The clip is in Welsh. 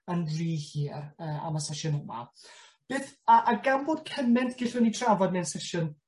yn ry hir yy am y sesiwn yma. Beth... A a gan bod cyment gellwn ni trafod mewn sesiwn